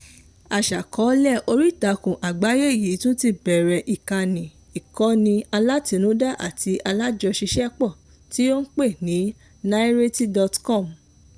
Aṣàkọọ́lẹ̀ oríìtakùn àgbáyé yìí tún ti bẹ̀rẹ̀ ìkànnì ìkọ́ni alátinúdá àti alájọṣiṣẹ́pọ̀ tí ó pè ní 9rayti.com.